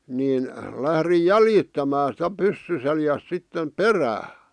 niin lähdin jäljittämään sitä pyssy selässä sitten perään